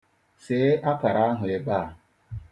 See akara ahụ ebe a.